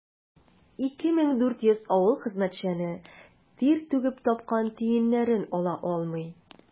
2400 авыл хезмәтчәне тир түгеп тапкан тиеннәрен ала алмый.